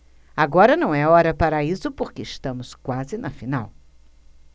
agora não é hora para isso porque estamos quase na final